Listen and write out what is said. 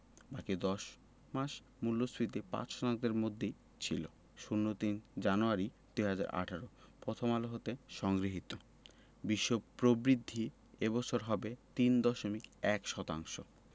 বাকি ১০ মাস মূল্যস্ফীতি ৫ শতাংশের মধ্যেই ছিল ০৩ জানুয়ারি ২০১৮ প্রথম আলো হতে সংগৃহীত বিশ্ব প্রবৃদ্ধি এ বছর হবে ৩.১ শতাংশ